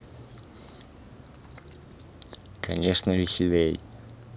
конечно веселей